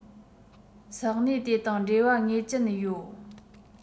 ས གནས དེ དང འབྲེལ བ ངེས ཅན ཡོད